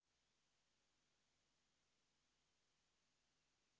ты тут